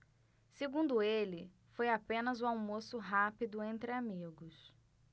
segundo ele foi apenas um almoço rápido entre amigos